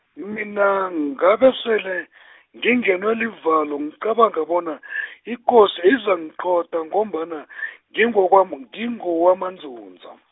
mina ngabesele , ngingenwa livalo ngicabanga bona , ikosi izangiqotha ngombana , ngingokwamu-, ngingowamaNdzundza.